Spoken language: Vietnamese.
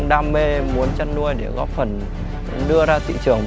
đam mê muốn chăn nuôi để góp phần ừ đưa ra thị trường